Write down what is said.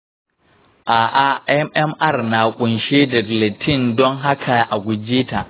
a'a, mmr na ƙunshe da gelatin, don haka a guje ta.